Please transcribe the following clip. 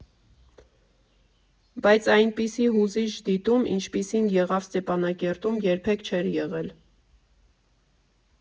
Բայց այնպիսի հուզիչ դիտում, ինչպիսին եղավ Ստեփանակերտում, երբեք չէր եղել։